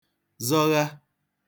zọgha